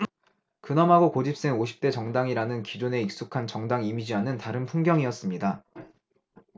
근엄하고 고집센 오십 대 정당이라는 기존의 익숙한 정당 이미지와는 다른 풍경이었습니다